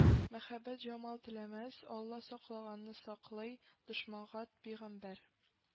Мәхәббәт җамал теләмәс; Алла сакланганны саклый; Дошманга пигамбәр